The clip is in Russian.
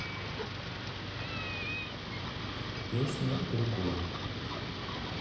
песня другой